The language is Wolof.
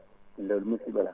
loolu musiba la